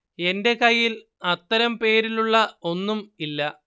എന്റെ കയ്യിൽ അത്തരം പേരിലുള്ള ഒന്നും ഇല്ല